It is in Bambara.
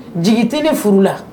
Jigi tɛini furu la